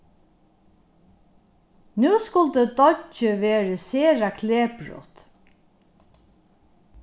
nú skuldi deiggið verið sera kleprut